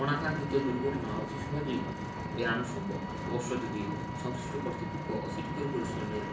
অনাকাক্সিক্ষত দুর্ঘটনা অতি সহজেই এড়ানো সম্ভব অবশ্য যদি সংশ্লিষ্ট কর্তৃপক্ষ ও সিটি কর্পোরেশনের